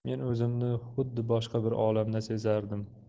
men o'zimni xuddi boshqa bir olamda sezardim